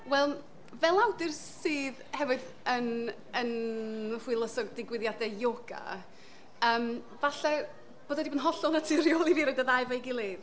Wel, fel awdur sydd hefyd yn yn hwyluso digwyddiadau ioga, yym falle bod e 'di bod yn hollol naturiol i fi roid y ddau efo ei gilydd.